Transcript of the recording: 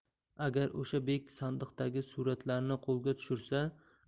agar o'sha bek sandiqdagi suratlarni qo'lga